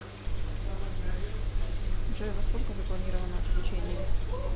джой во сколько запланировано отключение